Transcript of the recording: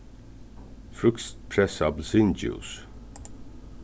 frískpressað appilsindjús